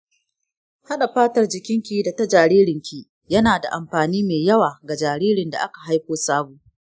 haɗa fatar jikinki da ta jaririnki yana da amfani mai yawa ga jaririn da aka haifa sabo